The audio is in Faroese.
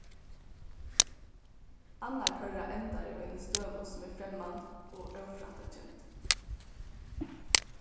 annar teirra endar í eini støðu sum er fremmand og ófrættakend